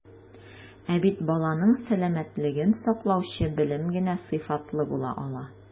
Ә бит баланың сәламәтлеген саклаучы белем генә сыйфатлы була ала.